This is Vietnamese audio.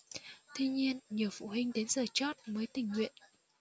tuy nhiên nhiều phụ huynh đến giờ chót mới tình nguyện